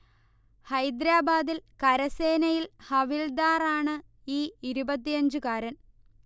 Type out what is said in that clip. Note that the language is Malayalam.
ഹൈദരബാദിൽ കരസനേയിൽ ഹവിൽദാർ ആണ് ഈ ഇരുപത്തിയഞ്ചുകാരൻ